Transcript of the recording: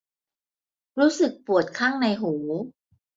รู้สึกปวดข้างในหู